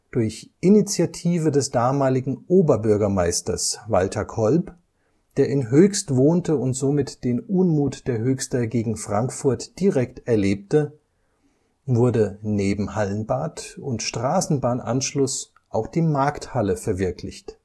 Durch Initiative des damaligen Oberbürgermeisters Walter Kolb, der in Höchst wohnte und somit den Unmut der Höchster gegen Frankfurt direkt erlebte, wurde neben Hallenbad und Straßenbahnanschluss auch die Markthalle verwirklicht